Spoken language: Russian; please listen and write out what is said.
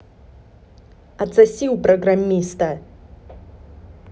отсоси у программиста